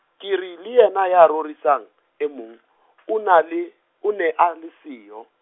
ke re le yena ya rorisang, e mong, o nale, o ne a, le siyo.